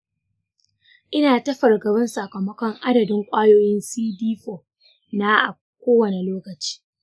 ina ta fargabar sakamakon adadin ƙwayoyin cd4 na a kowane lokaci.